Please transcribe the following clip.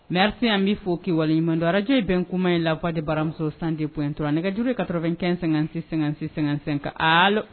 Merci an b'i fo k'i waleɲumandon radio ye bɛn kuma ye la voix de baramuso 102.3 nɛgjuru ye 95 56 56 55, allo